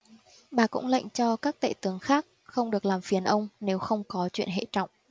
bà cũng lệnh cho các tể tướng khác không được làm phiền ông nếu không có chuyện hệ trọng